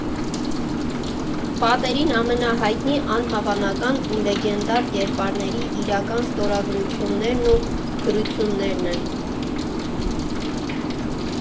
Պատերին ամենահայտնի, անհավանական ու լեգենդար կերպարների իրական ստորագրություններն ու գրություններն են։